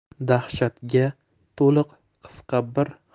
dahshatga to'liq qisqa bir